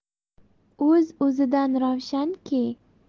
o'z o'zidan ravshanki